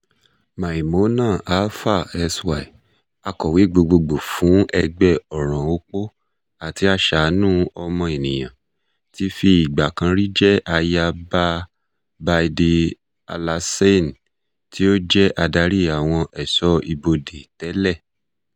Maimouna Alpha Sy, akọ̀wé gbogboògbò fún Ẹgbẹ́ Ọ̀ràn Opó àti Aṣàánù ọmọ-ènìyàn, ti fi ìgbà kan rí jẹ́ aya Ba Baïdy Alassane, tí ó jẹ́ adarí àwọn ẹ̀ṣọ́ ibodè tẹ́lẹ̀.